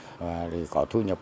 và có thu nhập